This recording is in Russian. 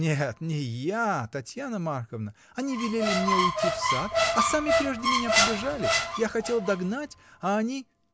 — Нет, не я, Татьяна Марковна: они велели мне уйти в сад, а сами прежде меня побежали: я хотел догнать, а они.